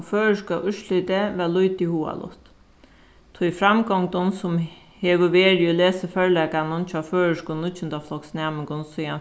og føroyska úrslitið var lítið hugaligt tí framgongdin sum hevur verið í lesiførleikanum hjá føroyskum níggjundafloksnæmingum síðan